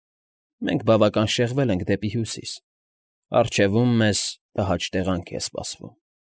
Մենք բավական շեղվել ենք դեպի հյուսիս, առջևում մեզ տհաճ տեղանք է սպասում։